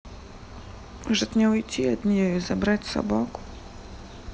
может мне уйти от нее и забрать собаку